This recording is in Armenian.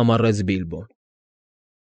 համառեց Բիլբոն։